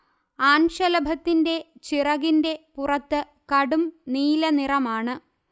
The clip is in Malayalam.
ആൺശലഭത്തിന്റെ ചിറകിന്റെ പുറത്ത് കടും നീലനിറമാണ്